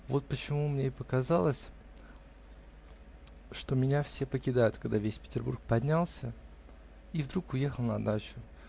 вот почему мне и показалось, что меня все покидают, когда весь Петербург поднялся и вдруг уехал на дачу.